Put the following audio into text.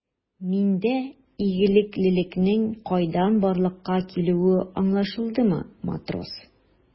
Миндә игелеклелекнең кайдан барлыкка килүе аңлашылдымы, матрос?